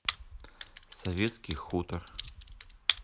советский хутор